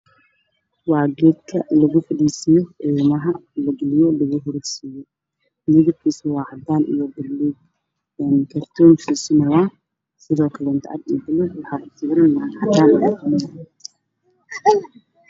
Waa geedka lagu fariisiyo ilmaha midab kiisu waa cadaan